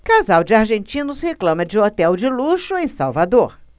casal de argentinos reclama de hotel de luxo em salvador